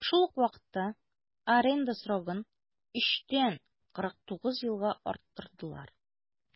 Шул ук вакытта аренда срогын 3 тән 49 елга арттырдылар.